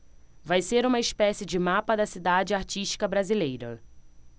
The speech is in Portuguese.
vai ser uma espécie de mapa da cidade artística brasileira